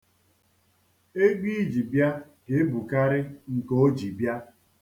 Ego i ji bịa ga-ebukarị nke o ji bịa.